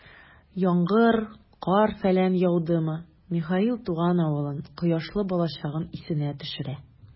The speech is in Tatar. Яңгыр, кар-фәлән яудымы, Михаил туган авылын, кояшлы балачагын исенә төшерә.